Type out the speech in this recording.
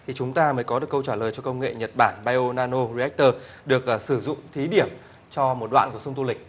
thì chúng ta mới có được câu trả lời cho công nghệ nhật bản bai ô na nô ri ách tơ được sử dụng thí điểm cho một đoạn của sông tô lịch